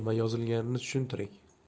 nima yozilganini tushuntiring